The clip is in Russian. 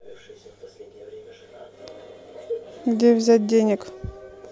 где взять денег